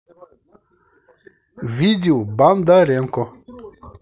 видео бондаренко